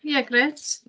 ia grêt